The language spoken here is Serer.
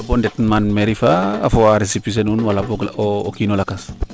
nu ñaaƴa bo ndet mairie faa fo a recipicer nuun wala boog o kiino lakas